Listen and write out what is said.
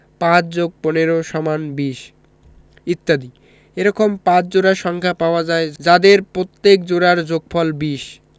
৫+১৫=২০ ইত্যাদি এরকম ৫ জোড়া সংখ্যা পাওয়া যায় যাদের প্রত্যেক জোড়ার যোগফল ২০